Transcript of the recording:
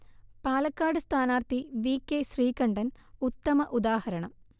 പാലക്കാട് സ്ഥാനാർത്ഥി V K Sreekandan ഉത്തമ ഉദാഹരണം